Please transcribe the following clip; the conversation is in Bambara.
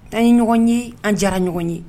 Tan ni ɲɔgɔn ye an diyara ɲɔgɔn ye